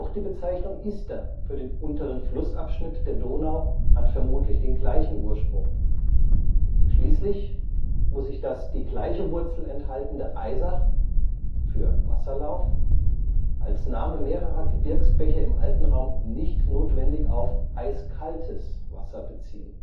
die Bezeichnung Ister für den unteren Flussabschnitt der Donau hat vermutlich den gleichen Ursprung. Schließlich muss sich das die gleiche Wurzel enthaltende „ Eisach “(„ Wasserlauf “) als Name mehrerer Gebirgsbäche im Alpenraum nicht notwendig auf „ eiskaltes “Wasser beziehen